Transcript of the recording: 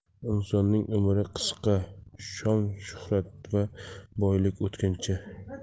inson umri qisqa shon shuhrat va boylik o'tkinchi